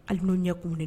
Hali n'o ɲɛ kun de